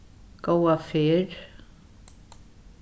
góða ferð